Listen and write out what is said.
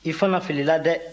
i fana filila dɛ